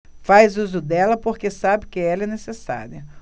faz uso dela porque sabe que ela é necessária